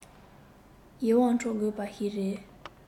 ཡིད དབང འཕྲོག དགོས པ ཞིག རེད